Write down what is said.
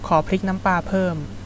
ขอพริกน้ำปลาเพิ่ม